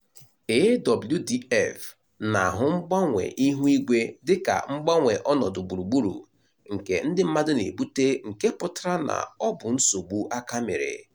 AWDF na-ahụ mgbanwe ihu igwe dịka mgbanwe ọnọdụ gburugburu, nke ndị mmadụ na-ebute—nke pụtara na ọ bụ nsogbu aka mere.